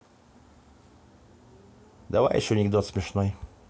давай еще анекдот смешной